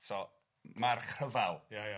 so march rhyfal... Ia ia...